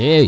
eey